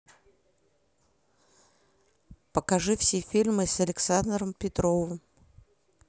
покажи все фильмы с александром петровым